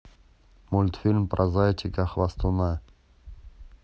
мультфильм про зайчика хвастуна